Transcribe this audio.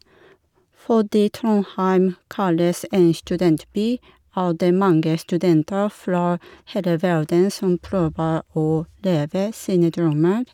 Fordi Trondheim kalles en studentby, er det mange studenter fra hele verden som prøver å leve sine drømmer.